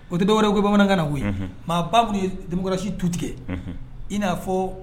O tɛ dɔwɛrɛ ko bamanankan na koyi maa ba ye dekɔrɔsi tu tigɛ i n'afɔ